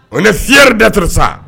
Ɔ siri datri sa